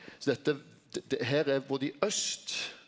så dette her er både i aust.